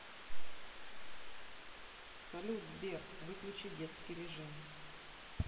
салют сбер выключи детский режим